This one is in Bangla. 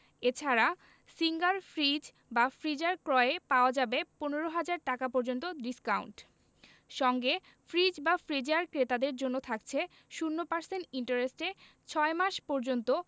এ ছাড়া সিঙ্গার ফ্রিজ বা ফ্রিজার ক্রয়ে পাওয়া যাবে ১৫ ০০০ টাকা পর্যন্ত ডিসকাউন্ট সঙ্গে ফ্রিজ বা ফ্রিজার ক্রেতাদের জন্য থাকছে ০% ইন্টারেস্টে ৬ মাস পর্যন্ত